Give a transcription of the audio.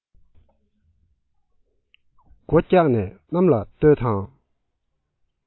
མགོ བཀྱགས ནས གནམ ལ ལྟོས དང